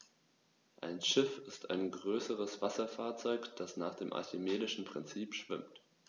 Ein Schiff ist ein größeres Wasserfahrzeug, das nach dem archimedischen Prinzip schwimmt.